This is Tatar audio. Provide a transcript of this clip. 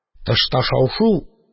Тышта шау-шу.